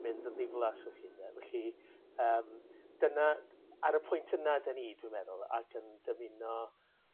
mynd yn ddiflas felly ynde? Felly yym dyna ar y pwynt yna 'dyn ni dwi meddwl ac yn dymuno